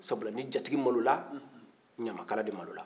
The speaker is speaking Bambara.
sabula ni jatigi malola ɲamakala de malola